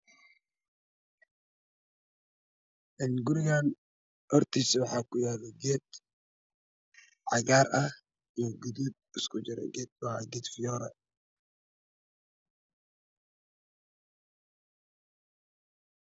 Gurigaan hortiisa waxaa kuyaalo geedo cagaar iyo gaduud iskugu jira waa geed fiyoore.